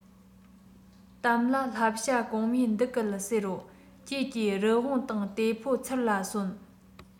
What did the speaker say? གཏམ ལ ལྷ བྱ གོང མོས འདི སྐད ཟེར རོ ཀྱེ ཀྱེ རི བོང དང དེ ཕོ ཚུར ལ གསོན